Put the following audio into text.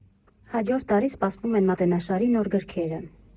Հաջորդ տարի սպասվում են մատենաշարի նոր գրքերը։